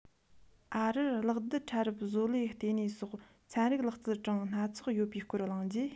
ཨ རིར གློག རྡུལ ཕྲ རབ བཟོ ལས ལྟེ གནས སོགས ཚན རིག ལག རྩལ གྲོང སྣ ཚོགས ཡོད པའི སྐོར གླེང རྗེས